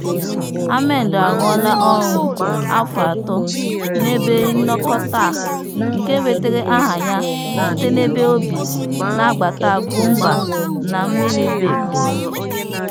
Amendo arụọla ọrụ afọ atọ n'ebe nnọkọta a, nke nwetere aha ya site n'ebe o bi n'agbata Boumba na mmiri Bek.